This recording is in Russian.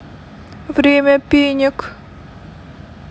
время пенек